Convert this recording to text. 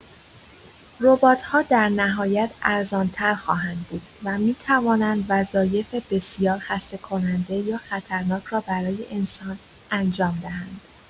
ربات‌ها در نهایت ارزان‌تر خواهند بود و می‌توانند وظایف بسیار خسته‌کننده یا خطرناک را برای انسان انجام دهند.